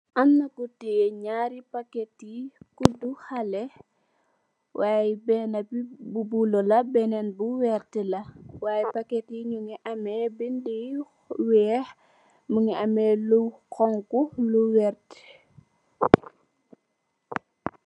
Amna ku tè naari pakèti kuddu haley why benna bi bulo, benen bu vert. why pakèt yi nungi ameh bindi yu weeh, mungi ameh lu honku, lu vert.